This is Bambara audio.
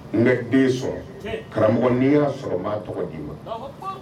N bɛ den sɔrɔ karamɔgɔ n'i y'a sɔrɔ maa tɔgɔ di i ma